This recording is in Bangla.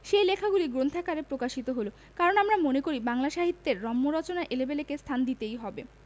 সেই লেখাগুলি গ্রন্থাকারে প্রকাশিত হল কারণ আমরা মনে করি বাংলা সাহিত্যের রম্য রচনায় এলেবেলে কে স্থান দিতেই হবে